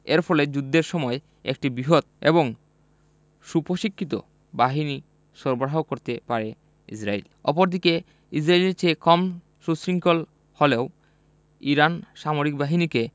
এর ফলে যুদ্ধের সময় একটি বৃহৎ এবং সুপ্রশিক্ষিত বাহিনী সরবরাহ করতে পারে ইসরায়েল অপরদিকে ইসরায়েলের চেয়ে কম সুশৃঙ্খল হলেও ইরানি সামরিক বাহিনীকে